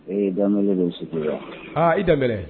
Ee ba su aa i da